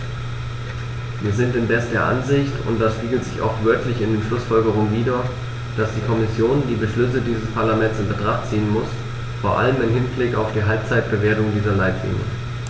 Wir sind indes der Ansicht und das spiegelt sich auch wörtlich in den Schlussfolgerungen wider, dass die Kommission die Beschlüsse dieses Parlaments in Betracht ziehen muss, vor allem im Hinblick auf die Halbzeitbewertung dieser Leitlinien.